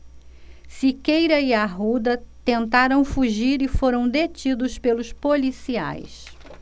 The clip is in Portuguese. siqueira e arruda tentaram fugir e foram detidos pelos policiais